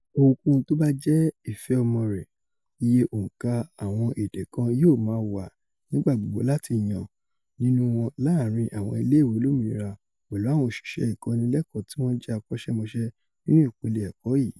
Ohunkóhun tóbájẹ́ ìfẹ́ ọmọ rẹ, iye òǹkà àwọn èdè kan yóò máa wà nigba gbogbo láti yàn nínú wọn láàrim àwọn ilé-iwé olómìnira, pẹ̀lú àwọn òṣìṣẹ́ ìkọ́nilẹ́kọ̀ọ́ tíwọ́n jẹ́ akọ́ṣẹ́mọṣẹ́ nínú ipele ẹ̀kọ́ yìí.